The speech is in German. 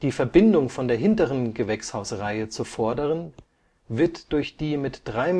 Verbindung von der hinteren Gewächshausreihe zur vorderen wird durch die mit 3,30